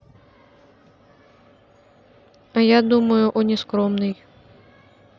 а я думаю о нескромный